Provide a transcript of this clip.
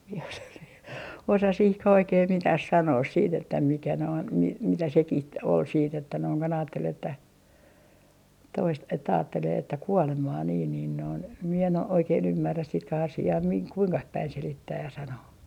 minä osaa - osaa siihenkään oikein mitään sanoa sitten että mikä noin - mitä sekin oli sitten että noin kun ajatteli että - että ajattelee että kuolemaa niin niin noin minä en - oikein ymmärrä sitäkään asiaa - kuinkaan päin selittää ja sanoa